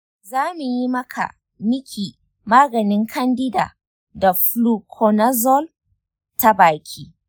za mu yi maka/miki maganin candida da fluconazole ta baki.